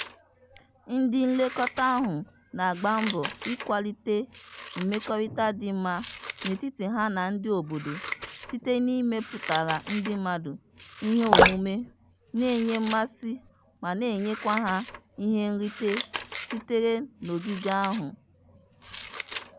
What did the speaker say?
Ndị nlekọta ahụ na-agba mbọ ịkwalite mmekọrịta dị mma n'etiti ha na ndị obodo site n'imepụtara ndị mmadụ iheomume na-enye mmasị ma na-enyekwa ha ihe nrite sitere n'ogige ahụ.